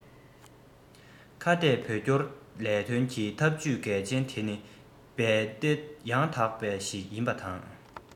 ཁ གཏད བོད སྐྱོར ལས དོན གྱི ཐབས ཇུས གལ ཆེན དེ ནི རྦད དེ ཡང དག པ ཞིག ཡིན པ དང